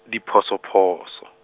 diphosophoso.